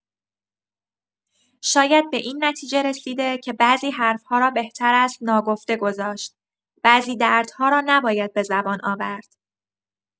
شاید به این نتیجه رسیده که بعضی حرف‌ها را بهتر است ناگفته گذاشت، بعضی دردها را نباید به زبان آورد.